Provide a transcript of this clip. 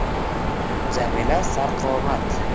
jamila sarvqomat